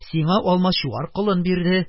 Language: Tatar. Сиңа алмачуар колын бирде,